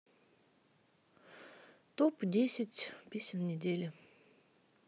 топ десять песен недели